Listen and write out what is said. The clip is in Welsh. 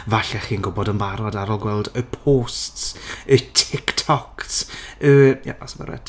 Falle chi'n gwbod yn barod ar ol gweld y posts y Tiktoks y... Ie, that's about it.